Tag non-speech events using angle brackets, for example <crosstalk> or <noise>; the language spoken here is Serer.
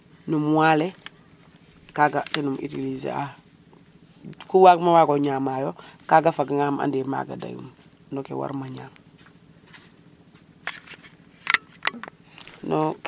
no mois le kaga ten utiliser a ku waag ma wago ñama yo kaga waga nga xam ane maga deyum no ke warma ñam <noise> no ke